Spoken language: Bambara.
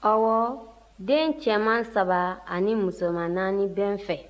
ɔwɔ den cɛman saba ani musoma naani bɛ n fɛ